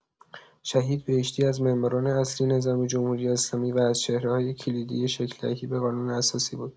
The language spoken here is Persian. شهیدبهشتی از معماران اصلی نظام جمهوری‌اسلامی و از چهره‌های کلیدی شکل‌دهی به قانون اساسی بود.